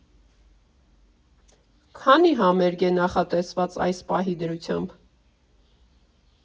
Քանի՞ համերգ է նախատեսված այս պահի դրությամբ։